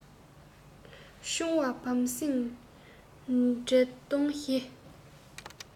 ཆུང བ བམ སྲིང འདྲེ གདོང བཞི